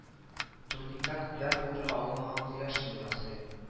Турникта күпләр булдыра алмаган кояшны ясый